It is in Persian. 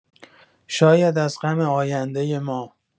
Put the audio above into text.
شاید از غم آیندۀ ما